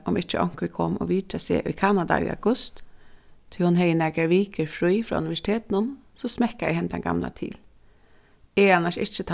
um ikki onkur kom at vitja seg í kanada í august tí hon hevði nakrar vikur frí frá universitetinum so smekkaði hendan gamla til eg eri annars ikki